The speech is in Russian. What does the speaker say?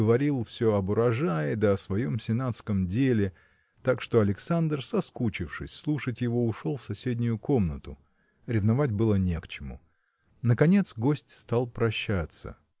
говорил все об урожае да о своем сенатском деле так что Александр соскучившись слушать его ушел в соседнюю комнату. Ревновать было не к чему. Наконец гость стал прощаться.